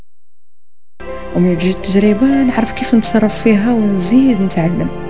تدريب انا اعرف كيف نصرف فيها وزيد نتعلم